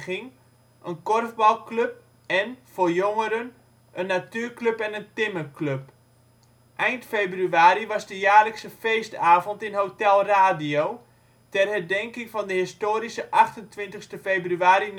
een korfbalclub, en (voor jongeren) een natuurclub en een timmerclub. Eind februari was de jaarlijkse feestavond in Hotel Radio, ter herdenking van de historische 28ste februari